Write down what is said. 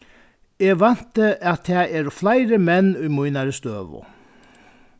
eg vænti at tað eru fleiri menn í mínari støðu